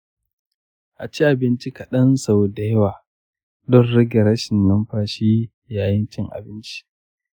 a ci abinci kaɗan sau da yawa don rage rashin numfashin yayin cin abinci.